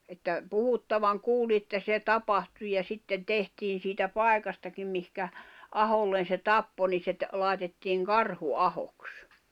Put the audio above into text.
että puhuttavan kuulin että se tapahtui ja sitten tehtiin siitä paikastakin mihin aholle se tappoi niin se - laitettiin Karhuahoksi